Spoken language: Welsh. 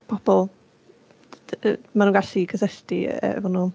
pobl maen nhw'n gallu cysylltu efo nhw.